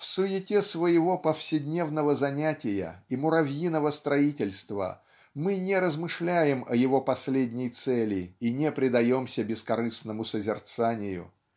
В суете своего повседневного занятия и муравьиного строительства мы не размышляем о его последней цели и не предаемся бескорыстному созерцанию.